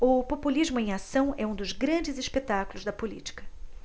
o populismo em ação é um dos grandes espetáculos da política